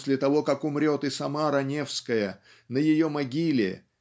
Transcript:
после того как умрет и сама Раневская на ее могиле